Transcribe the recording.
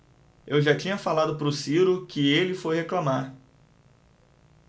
eu já tinha falado pro ciro que ele foi reclamar